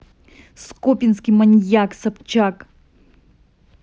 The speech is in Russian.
скопинский маньяк собчак